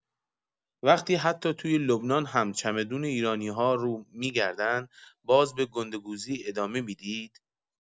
وقتی حتی توی لبنان هم چمدون ایرانی‌ها رو می‌گردن باز به گنده گوزی ادامه می‌دید؟